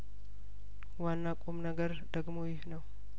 ዋና ቁም ነገር ደግሞ ይህ ነው